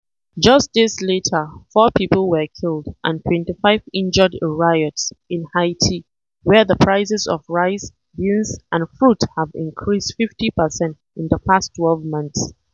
Just days later, four people were killed and 25 injured in riots in Haiti, where the prices of rice, beans, and fruit have increased 50% in the past 12 months.